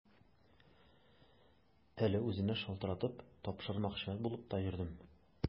Әле үзенә шалтыратып, тапшырмакчы булып та йөрдем.